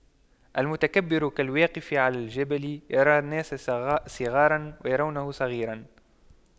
المتكبر كالواقف على الجبل يرى الناس صغاراً ويرونه صغيراً